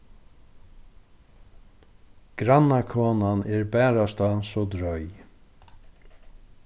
grannakonan er barasta so droy